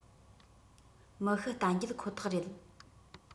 མི ཤི རྟ འགྱེལ ཁོ ཐག རེད